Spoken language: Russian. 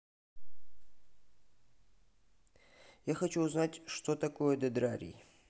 я хочу узнать что такое дендрарий